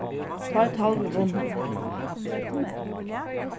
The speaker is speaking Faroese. tá er talvið vunnið